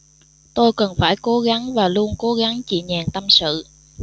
tôi cần phải cố gắng và luôn cố gắng chị nhàn tâm sự